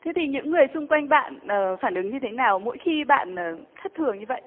thế thì những người xung quanh bạn ờ phản ứng như thế nào mỗi khi bạn thất thường như vậy